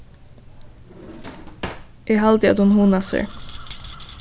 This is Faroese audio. eg haldi at hon hugnar sær